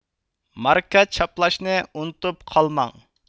ماركا چاپلاشنى ئۇنتۇپ قالماڭ